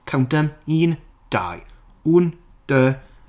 Count them! Un, dau. Un, deux.